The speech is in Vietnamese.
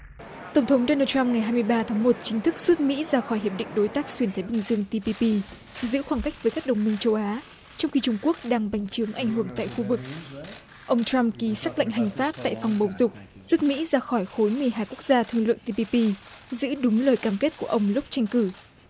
tổng thống đô nan trăm ngày hai mươi ba tháng một chính thức rút mỹ ra khỏi hiệp định đối tác xuyên thái bình dương ti pi pi giữ khoảng cách với các đồng minh châu á trong khi trung quốc đang bành trướng ảnh hưởng tại khu vực ông trăm ký sắc lệnh hành pháp tại phòng bầu dục sức mỹ ra khỏi khối mười hai quốc gia thương lượng ti pi pi giữ đúng lời cam kết của ông lúc tranh cử